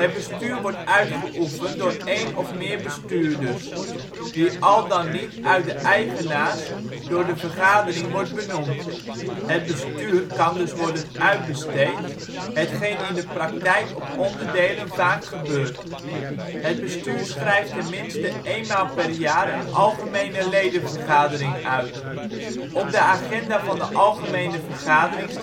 bestuur wordt uitgeoefend door één of meer " bestuurders ", die al dan niet uit de eigenaars door de vergadering wordt benoemd. (Het bestuur kan dus worden uitbesteed, hetgeen in de praktijk op onderdelen vaak gebeurt.) Het bestuur schrijft tenminste éénmaal per jaar een algemene ledenvergadering uit. Op de agenda van de algemene vergadering